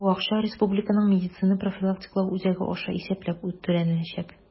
Бу акча Республиканың медицина профилактикалау үзәге аша исәпләп түләнеләчәк.